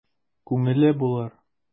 Күңеле булыр...